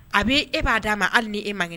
A b' e b'a d'a ma hali ni e ma kɛnɛ